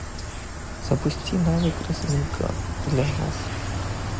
запусти навык разминка для глаз